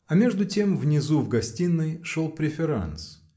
А между тем внизу, в гостиной, шел преферанс